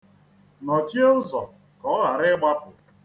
Nọchie ụzọ ka ọ ghara ịgbapụ.